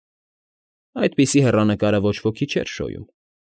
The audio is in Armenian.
Այդպիսի հեռանկարը ոչ ոքի էլ չէր շոյում։